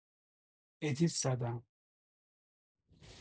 ادیت زدن